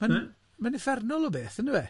Mae'n mae'n uffernol o beth yndyfe?